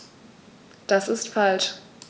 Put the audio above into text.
Das ist falsch.